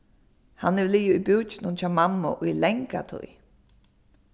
hann hevur ligið í búkinum hjá mammu í langa tíð